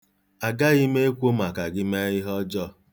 Agaghị m ekwo maka gị mee ihe njọ.